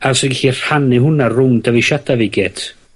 a 'swn i gellu rhannu hwnna rownd dyfeisiada fi gyd.